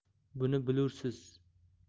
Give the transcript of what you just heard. buni bilursiz